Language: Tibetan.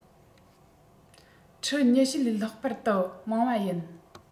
ཁྲི ༢༠ ལས ལྷག པར དུ མང བ ཡིན